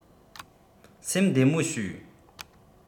སེམས བདེ མོ བྱོས